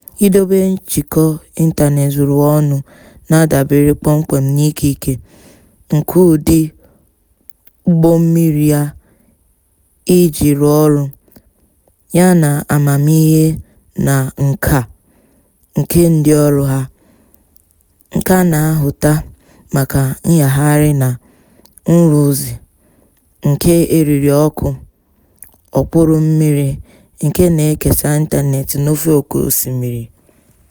Idobe njikọ ịntaneetị zuru ụwa ọnụ na-adabere kpọmkwem n'ikike nke ụdị ụgbọmmiri a iji rụọ ọrụ, yana amamihe na nkà nke ndịọrụ ha, nke na-ahụta maka nnyagharị na nrụzi nke eririọkụ okpuru mmiri nke na-ekesa ịntaneetị n'ofe oke osimiri.